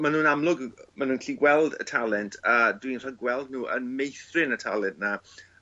ma' nw'n amlwg ma' nw'n gallu gweld y talent a dwi'n rhagweld n'w yn meithrin y talent 'na